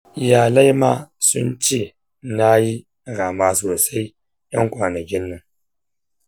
iyalai ma sunce nayi rama sosai ƴan kwanakin nan